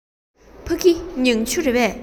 ཕ གི མྱང ཆུ རེད པས